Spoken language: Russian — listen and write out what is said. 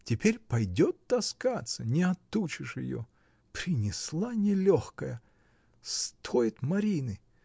Теперь пойдет таскаться, не отучишь ее! Принесла нелегкая! Стоит Марины!